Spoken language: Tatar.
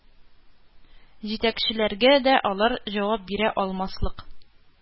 Җитәкчеләргә дә алар җавап бирә алмаслык